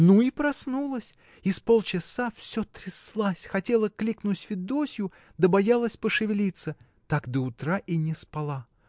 — Ну и проснулась — и с полчаса всё тряслась, хотела кликнуть Федосью, да боялась пошевелиться — так до утра и не спала.